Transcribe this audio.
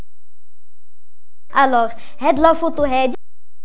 الو